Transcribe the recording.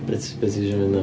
Be- be ti isio mynd am?